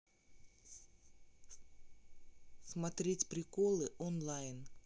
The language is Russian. смотреть приколы онлайн